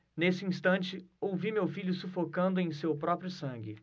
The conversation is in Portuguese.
nesse instante ouvi meu filho sufocando em seu próprio sangue